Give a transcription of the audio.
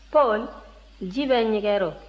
paul ji bɛ ɲɛgɛn rɔ